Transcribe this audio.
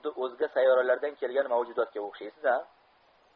xuddi o'zga sayyoralardan kelgan mavjudotga o'xshaysiza